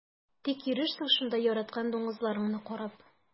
Тик йөрерсең шунда яраткан дуңгызларыңны карап.